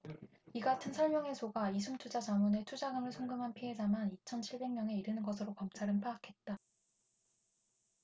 이 같은 설명에 속아 이숨투자자문에 투자금을 송금한 피해자만 이천 칠백 명이 이르는 것으로 검찰은 파악했다